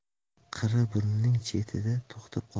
qirra burnining chetida to'xtab qoldi